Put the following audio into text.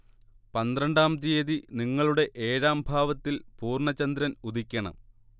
പന്ത്രണ്ടാം തീയതി നിങ്ങളുടെ ഏഴാം ഭാവത്തിൽ പൂർണ ചന്ദ്രൻ ഉദിക്കണം